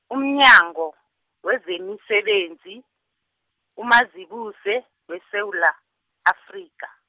umnyango, wezemisebenzi, uMazibuse, weSewula, Afrika.